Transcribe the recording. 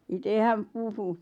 itse hän puhui